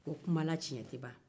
kuma la tiɲɛ tɛ ban